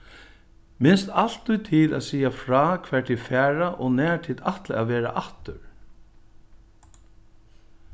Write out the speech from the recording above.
minst altíð til at siga frá hvar tit fara og nær tit ætla at vera aftur